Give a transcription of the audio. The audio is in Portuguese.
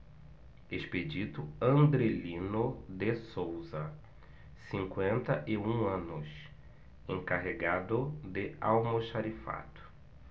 expedito andrelino de souza cinquenta e um anos encarregado de almoxarifado